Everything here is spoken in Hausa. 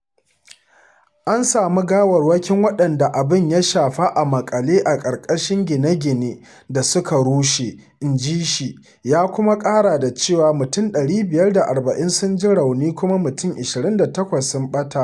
An sami gawarwakin waɗanda abin ya shafa a maƙale a ƙarƙashin gine-gine da suka rushe, inji shi, ya kuma ƙara da cewa mutane 540 sun ji rauni kuma mutum 29 sun ɓata.